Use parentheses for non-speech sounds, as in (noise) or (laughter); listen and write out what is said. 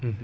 (hesitation) (hesitation)